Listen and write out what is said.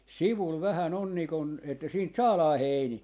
sivulla vähän on niin kuin että siitä saadaan heiniä